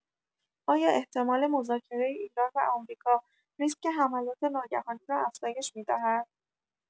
آیا احتمال مذاکره ایران و آمریکا ریسک حملات ناگهانی را افزایش می‌دهد؟